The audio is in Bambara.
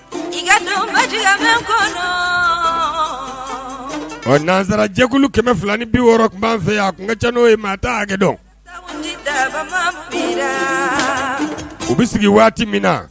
Wa nanzsarajɛkulu 260 tun b'an fɛ a kun ka caa n'o ye maa t'a hakɛ dɔn . U bɛ sigi waati min na